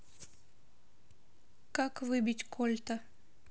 как выбить кольта